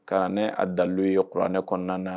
Ka a dali ye kuranɛ kɔnɔna na